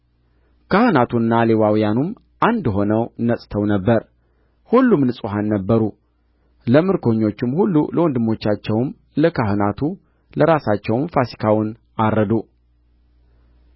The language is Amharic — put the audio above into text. ካህናቱና ሌዋውያኑም አንድ ሆነው ነጽተው ነበር ሁሉም ንጹሐን ነበሩ ለምርኮኞቹም ሁሉ ለወንድሞቻቸውም ለካህናቱ ለራሳቸውም ፋሲካውን አረዱ